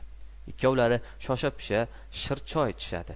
ikkovlari shosha pisha shirchoy ichishadi